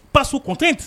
Pa sot